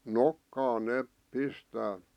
nokkaan ne pistää